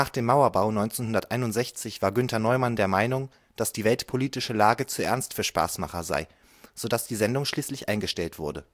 dem Mauerbau 1961 war Günter Neumann der Meinung, dass die weltpolitische Lage zu ernst für Spaßmacher sei, sodass die Sendung schließlich eingestellt wurde